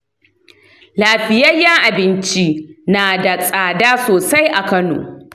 lafiyayyen abinci na da tsada sosai a kano.